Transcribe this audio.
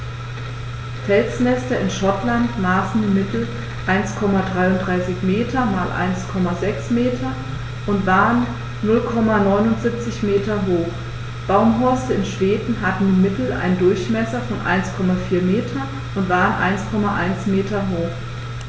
Felsnester in Schottland maßen im Mittel 1,33 m x 1,06 m und waren 0,79 m hoch, Baumhorste in Schweden hatten im Mittel einen Durchmesser von 1,4 m und waren 1,1 m hoch.